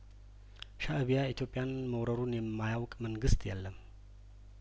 ሻእቢያኢትዮጵያን መውረሩን የማያውቅ መንግስት የለም